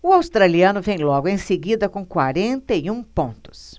o australiano vem logo em seguida com quarenta e um pontos